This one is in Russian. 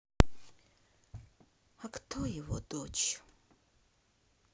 а кто его дочь